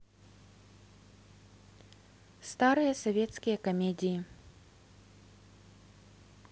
старые советские комедии